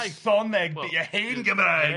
Brythoneg biau hen Gymraeg.